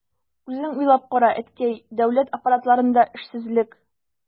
Үзең уйлап кара, әткәй, дәүләт аппаратларында эшсезлек...